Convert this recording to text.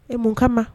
Mun kama